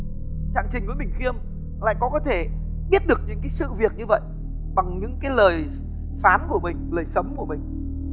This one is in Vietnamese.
trạng trình nguyễn bỉnh khiêm lại có thể biết được những cái sự việc như vậy bằng những cái lời phán của mình lời sấm của mình